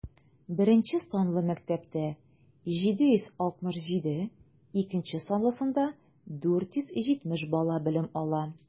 Беренче санлы мәктәптә - 767, икенче санлысында 470 бала белем ала.